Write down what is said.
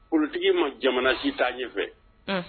Politique ma jamana si taa ɲɛfɛ.